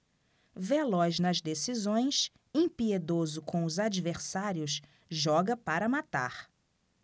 veloz nas decisões impiedoso com os adversários joga para matar